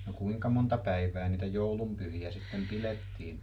no kuinka monta päivää niitä joulun pyhiä sitten pidettiin